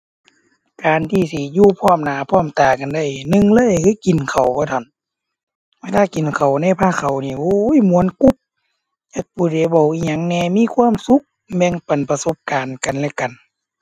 การที่สิอยู่พร้อมหน้าพร้อมตากันได้ หนึ่งเลยคือกินข้าวว่าถ่อน เวลากินข้าวในพาข้าวนี่ โอ๊ย ม่วนกุ๊บ จักผู้ใดเว้าอิหยังแหน่ มีความสุข แบ่งปันประสบการณ์กันและกัน